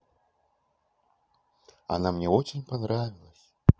она мне очень понравилась